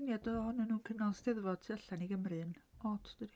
Ie do, oedden nhw'n cynnal 'Steddfod tu allan i Gymru, yn od yn dydi?